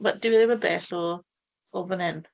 Ma'... dyw e ddim yn bell o o fan hyn.